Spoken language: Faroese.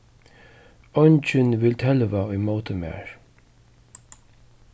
eingin vil telva ímóti mær